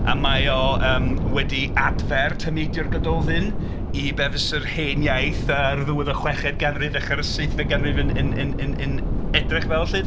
A mae o yym wedi adfer tameidiau o'r Gododdin i be fysai'r hen iaith ar ddiwedd y chweched ganrif dechrau'r seithfed ganrif yn yn yn yn ynd edrych fel 'lly de.